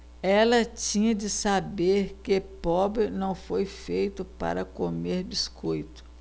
ela tinha de saber que pobre não foi feito para comer biscoito